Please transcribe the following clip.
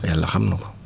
yàlla xam na ko